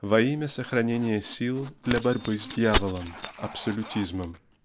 во имя сохранения сил для борьбы с дьяволом -- абсолютизмом.